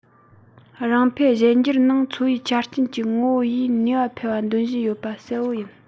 རང འཕེལ གཞན འགྱུར ནང འཚོ བའི ཆ རྐྱེན གྱི ངོ བོ ཡིས ནུས པ ཕལ བ འདོན བཞིན ཡོད པ གསལ པོ ཡིན